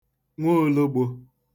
nwoologbō